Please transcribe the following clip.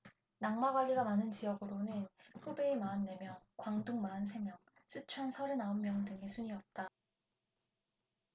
낙마 관리가 많은 지역으로는 후베이 마흔 네 명 광둥 마흔 세 명 쓰촨 서른 아홉 명 등의 순이었다